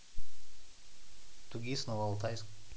2gis новоалтайск